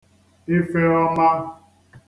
ifeọma